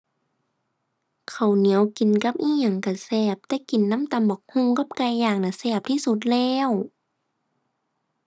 ข้าวเหนียวกินกับอิหยังก็แซ่บ แต่กินนำตำบักหุ่งกับไก่ย่างน่ะ แซ่บที่สุดแล้ว